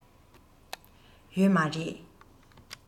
ཡོད མ རེད